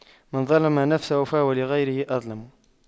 من ظَلَمَ نفسه فهو لغيره أظلم